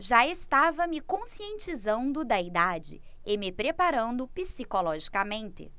já estava me conscientizando da idade e me preparando psicologicamente